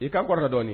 I kan kɔrɔta dɔɔni.